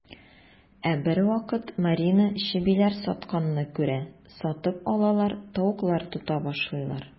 Ә бервакыт Марина чебиләр сатканны күрә, сатып алалар, тавыклар тота башлыйлар.